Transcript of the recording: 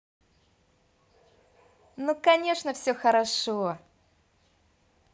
ну конечно все хорошо